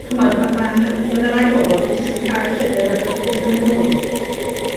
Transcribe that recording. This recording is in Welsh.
Chimod ma' ma' ma' 'ny rai bobol fydd jyst yn cau'r llyfyr a fydden nw byth yn myn' nôl.